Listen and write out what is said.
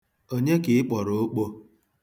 Onye ka ị kpọrọ okpo?